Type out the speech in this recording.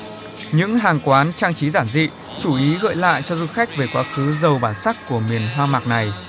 những hàng quán trang trí giản dị chủ ý gợi lại cho du khách về quá khứ giàu bản sắc của miền hoang mạc này